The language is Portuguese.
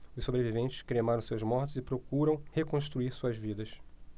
os sobreviventes cremaram seus mortos e procuram reconstruir suas vidas